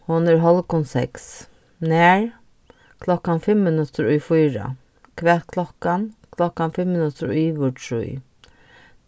hon er hálvgum seks nær klokkan fimm minuttir í fýra hvat klokkan klokkan fimm minuttir yvir trý